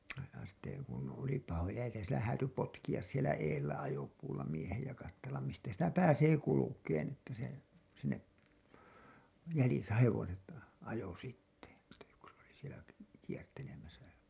ja sitten kun oli pahoja - siellä häätyi potkia siellä edellä ajopuulla miehen ja katsella mistä sitä pääsee kulkemaan että se sinne jäljissä hevoset ajoi sitten että yksi oli siellä - kiertelemässä